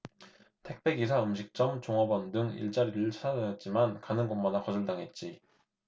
택배 기사 음식점 종업원 등 일자리를 찾아다녔지만 가는 곳마다 거절당했지